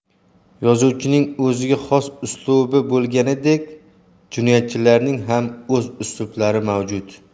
yozuvchining o'ziga xos uslubi bo'lganidek jinoyatchilarning ham o'z uslublari mavjud